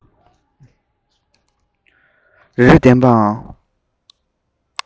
རེ རེ ལྡན པའང